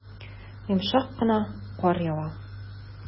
Йомшак кына кар ява.